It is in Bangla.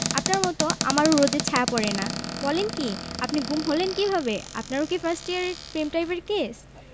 আপনার মতো আমারও রোদে ছায়া পড়ে না বলেন কী আপনি গুম হলেন কীভাবে আপনারও কি ফার্স্ট ইয়ারের প্রেমটাইপের কেস